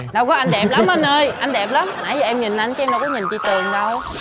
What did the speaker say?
đâu có anh đẹp lắm anh ơi anh đẹp lắm nãy giờ em nhìn anh chứ em đâu có nhìn chị tường đâu